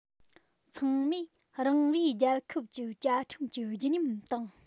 ཚང མས རང རེའི རྒྱལ ཁབ ཀྱི བཅའ ཁྲིམས ཀྱི བརྗིད ཉམས དང